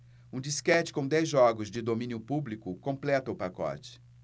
um disquete com dez jogos de domínio público completa o pacote